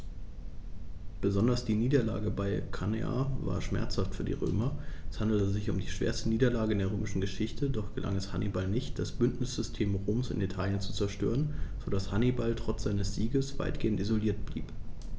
Besonders die Niederlage bei Cannae war schmerzhaft für die Römer: Es handelte sich um die schwerste Niederlage in der römischen Geschichte, doch gelang es Hannibal nicht, das Bündnissystem Roms in Italien zu zerstören, sodass Hannibal trotz seiner Siege weitgehend isoliert blieb.